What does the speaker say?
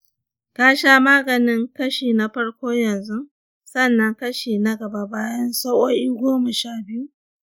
ka sha maganin kashi na farko yanzu, sannan kashi na gaba bayan sa'o'i goma sha biyu.